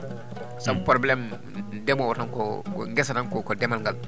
saabu probléme demowo tan ko ko ngesa tan ko ndemal